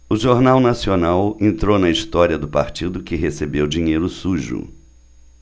o jornal nacional entrou na história do partido que recebeu dinheiro sujo